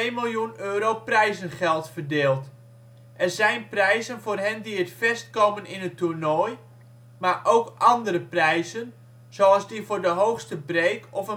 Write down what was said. miljoen euro prijzengeld verdeeld. Er zijn prijzen voor hen die het verst komen in het toernooi, maar ook andere prijzen zoals die voor de hoogste break of